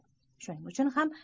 shuning uchun